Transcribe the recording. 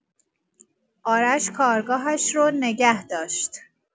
آرش کارگاهش رو نگه داشت.